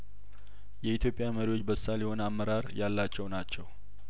የኢትዮጵያ መሪዎች በሳል የሆነ አመራር ያላቸው ናቸው